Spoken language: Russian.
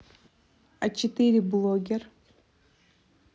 а четыре блогер